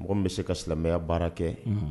Mɔgɔ bɛ se ka silamɛya baara kɛ